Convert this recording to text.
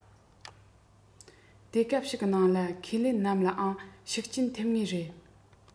དུས སྐབས ཤིག གི ནང ལ ཁས ལེན རྣམས ལའང ཤུགས རྐྱེན ཐེབས ངེས རེད